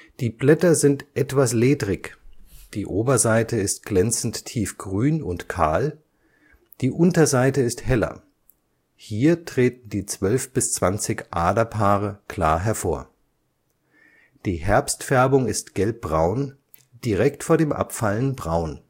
Die Blätter sind etwas ledrig, die Oberseite ist glänzend tiefgrün und kahl, die Unterseite ist heller, hier treten die 12 bis 20 Aderpaare klar hervor. Die Herbstfärbung ist gelbbraun, direkt vor dem Abfallen braun